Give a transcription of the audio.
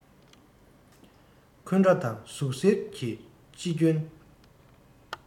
འཁུན སྒྲ དང ཟུག གཟེར གྱིས ཅི སྐྱོན